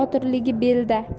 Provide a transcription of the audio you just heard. er botirligi belda